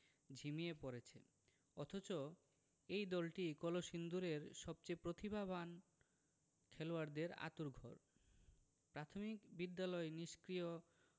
ঝিমিয়ে পড়েছে অথচ এই দলটিই কলসিন্দুরের সবচেয়ে প্রতিভাবান খেলোয়াড়দের আঁতুড়ঘর প্রাথমিক বিদ্যালয় নিষ্ক্রিয়